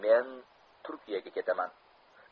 men turkiyaga ketaman